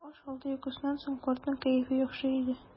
Аш алды йокысыннан соң картның кәефе яхшы иде.